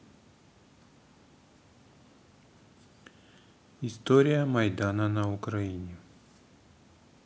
история майдана на украине